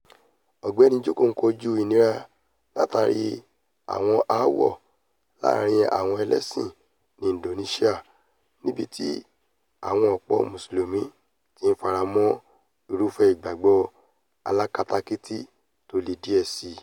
Ọ̀gbẹ́ni Joko ń kóju ìnira látàrí àwọn aáwọ̀ láàrin àwọn ẹlẹ́sìn ní Indonesia, níbití àwọn ọ̀pọ̀ Mùsùlùmí ti faramọ́ irúfẹ́ ìgbàgbọ́ alákatakíti tóle díẹ̀ síi.